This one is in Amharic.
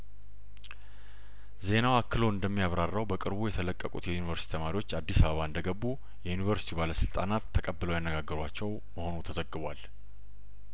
ዜናው አክሎ እንደሚያብራራው በቅርቡ የተለቀቁት የዩኒቨርስቲ ተማሪዎች አዲስ አበባ እንደገቡ የዩኒቨርስቲው ባለስልጣናት ተቀብለው ያነጋገ ሯቸው መሆኑ ተዘግ ቧል